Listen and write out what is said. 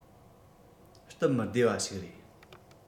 སྟབས མི བདེ བ ཞིག རེད